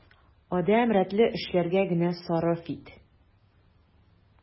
Адәм рәтле эшләргә генә сарыф ит.